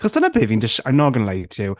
'Chos dyna be fi'n dish- I'm not gonna lie to you...